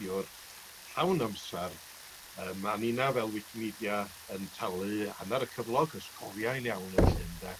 wicipediwr llawn amsar yym a ninna fel wicimedia yn talu hannar y cyflog os cofiai'n iawn felly ynde.